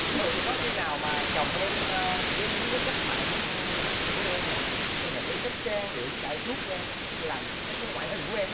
thường có khi nào mà chồng em ghen với cái cách mà ăn mặc của em nè hay là cái cách trang điểm chải chuốt của em nói chúng là cái cái ngoại hình của em đó